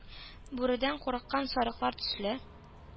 Бүредән курыккан сарыклар төсле,